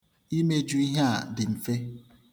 Imeju ihe a di ̣mfe.